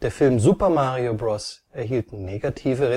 Film Super Mario Bros. erhielt negative